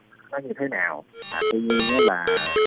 nó như thế nào và tôi như thế là